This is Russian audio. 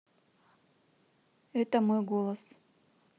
это мой голос